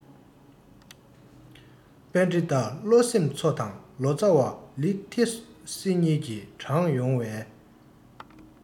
པཎྡི ཏ བློ སེམས འཚོ དང ལོ ཙ བ ལི ཐེ སི གཉིས ཀྱིས དྲངས ཡོང བའོ